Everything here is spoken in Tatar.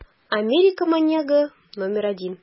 Америка маньягы № 1